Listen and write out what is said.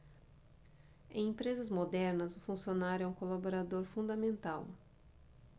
em empresas modernas o funcionário é um colaborador fundamental